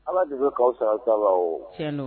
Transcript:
Ala de bɛ awaw santa la o cɛn don